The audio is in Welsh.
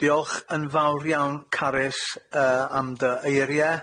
Diolch yn fawr iawn Carys yy am dy eirie.